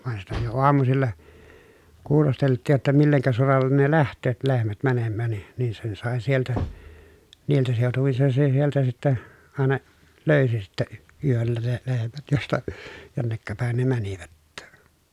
vaan sitä jo aamusilla kuulosteltiin jotta millekä solalle ne lähtevät lehmät menemään niin niin sen sai sieltä niiltä seutuvin sen se sieltä sitten aina löysi sitten yöllä ne lehmät josta jonneka päin ne menivät